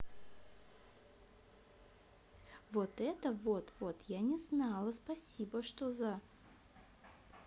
вот это вот вот я не знала спасибо что за